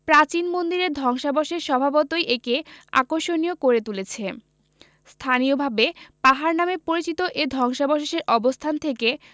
প্রাচীন মন্দিরের ধ্বংসাবশেষ স্বভাবতই একে আকর্ষণীয় করে তুলেছে স্থানীয়ভাবে পাহাড় নামে পরিচিত এ ধ্বংসাবশেষের অবস্থান থেকে